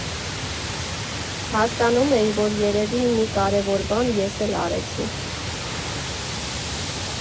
Հասկանում էի, որ երևի մի կարևոր բան ես էլ արեցի։